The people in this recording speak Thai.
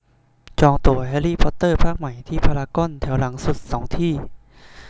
จองตั๋วแฮรี่พอตเตอร์ภาคใหม่ที่พารากอนแถวหลังสุดสองที่